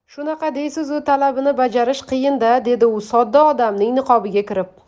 shunaqa deysizu talabini bajarish qiyin da dedi u sodda odamning niqobiga kirib